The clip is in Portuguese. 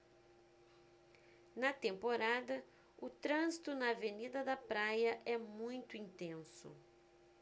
na temporada o trânsito na avenida da praia é muito intenso